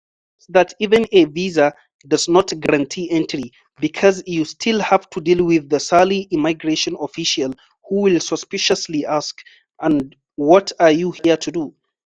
She notes that even a visa does not guarantee entry because "you still have to deal with the surly immigration official who will suspiciously ask, ‘And what are you here to do?’"